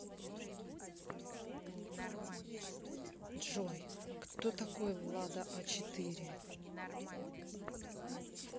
джой кто такой влада а четыре